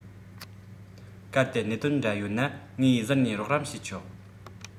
གལ ཏེ གནད དོན འདྲ ཡོད ན ངས ཟུར ནས རོགས རམ བྱས ཆོག